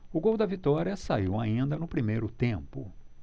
o gol da vitória saiu ainda no primeiro tempo